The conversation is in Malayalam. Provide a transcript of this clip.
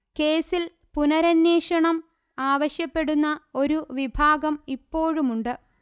കേസിൽ പുനരന്വേഷണം ആവശ്യപ്പെടുന്ന ഒരു വിഭാഗം ഇപ്പോഴുമുണ്ട്